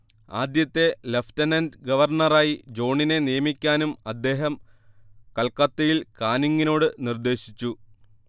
ആദ്യത്തെ ലെഫ്റ്റനന്റ് ഗവർണറായി ജോണിനെ നിയമിക്കാനും അദ്ദേഹം കൽക്കത്തിയിൽ കാനിങ്ങിനോട് നിർദ്ദേശിച്ചു